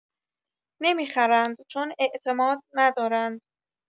نمی‌خرند چون اعتماد ندارند!